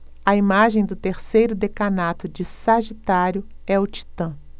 a imagem do terceiro decanato de sagitário é o titã